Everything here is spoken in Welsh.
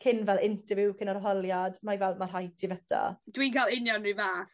cyn fel interview cyn arholiad mae fel ma' rhaid ti fita. Dwi ga'l union 'run fath.